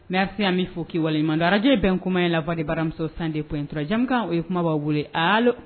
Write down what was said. N yya min fɔ' wale madrakajɛ bɛn kuma in la wari de baramuso san de tun indijakan o ye kuma b'a bolo hali